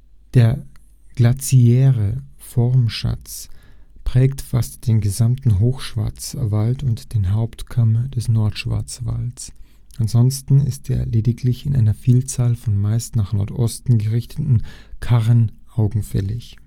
Der glaziäre Formenschatz prägt fast den gesamten Hochschwarzwald und den Hauptkamm des Nordschwarzwalds. Ansonsten ist er lediglich in einer Vielzahl von meist nach Nordosten gerichteten Karen augenfällig